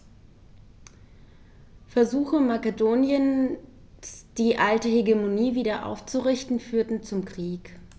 Versuche Makedoniens, die alte Hegemonie wieder aufzurichten, führten zum Krieg.